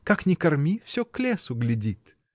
как ни корми, всё к лесу глядит!